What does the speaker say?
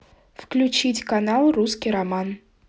включить канал русский роман